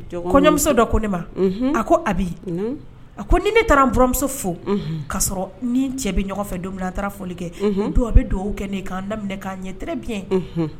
Kɔɲɔmuso dɔ ko ne ma a ko a a ko ni ne taara nmuso fo k' sɔrɔ ni cɛ bɛ ɲɔgɔn fɛ don a taara foli kɛ don a bɛ dugawu kɛ'' daminɛ k'a ɲɛ t bi